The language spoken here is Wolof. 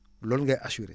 loolu ngay assurer